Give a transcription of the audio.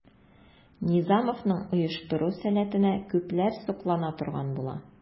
Низамовның оештыру сәләтенә күпләр соклана торган була.